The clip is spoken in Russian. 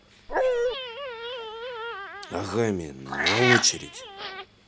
агами на очередь